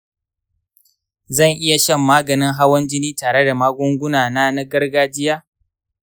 zan iya shan maganin hawan jini tare da magunguna na gargajiya?